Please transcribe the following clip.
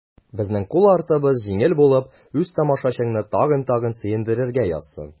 Безнең кул артыбыз җиңел булып, үз тамашачыңны тагын-тагын сөендерергә язсын.